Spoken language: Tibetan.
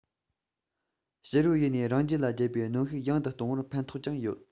ཕྱི རོལ ཡུལ ནས རང རྒྱལ ལ བརྒྱབ པའི གནོན ཤུགས ཡང དུ གཏོང བར ཕན ཐོགས ཀྱང ཡོད